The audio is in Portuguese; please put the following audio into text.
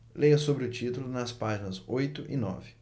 leia sobre o título nas páginas oito e nove